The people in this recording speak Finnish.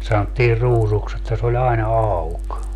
sanottiin ruusuksi että se oli aina auki